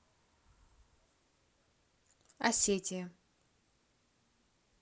осетия